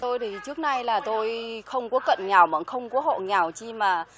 tôi thì trước nay là tôi không có cận nghèo mà không có hộ nghèo chi mà